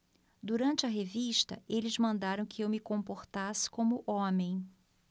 durante a revista eles mandaram que eu me comportasse como homem